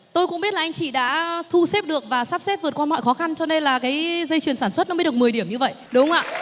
tôi cũng biết là anh chị đã thu xếp được và sắp xếp vượt qua mọi khó khăn cho nên là cái dây chuyền sản xuất nó mới được mười điểm như vậy đúng không ạ